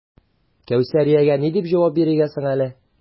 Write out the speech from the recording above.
Кәүсәриягә ни дип җавап бирергә соң әле?